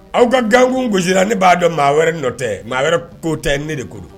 Aw ka gankun gosira ne b'a dɔn maa wɛrɛ nɔ tɛ maa wɛrɛ ko tɛ ne de ko don